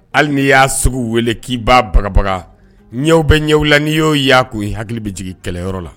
Hali n'i y'a sugu weele k'i b'a bagabaga, ɲɛw bɛ ɲɛw la n'i y'o y'a kun i hakili bɛ jigin kɛlɛyɔrɔ la.